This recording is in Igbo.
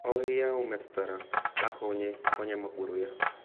Onye ihe ahụ metụtara ahụghị onye makporo ya.